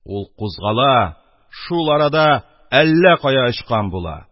Ул кузгала, шул арада әллә кая очкан була.